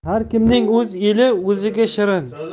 har kimning o'z eli o'ziga shirin